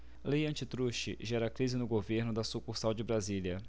lei antitruste gera crise no governo da sucursal de brasília